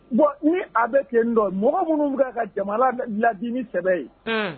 Bon ni a bɛ ten tɔ , mɔgɔ minnu bɛ ka jamana ladi ni sɛbɛ ye, un.